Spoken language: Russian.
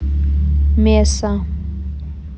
меса